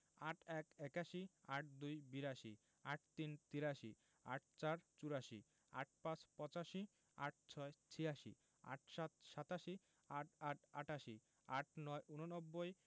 ৮১ – একাশি ৮২ – বিরাশি ৮৩ – তিরাশি ৮৪ – চুরাশি ৮৫ – পঁচাশি ৮৬ – ছিয়াশি ৮৭ – সাতাশি ৮৮ – আটাশি ৮৯ – ঊননব্বই